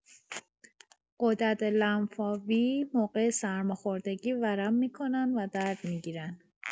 غدد لنفاوی موقع سرماخوردگی ورم می‌کنن و درد می‌گیرن.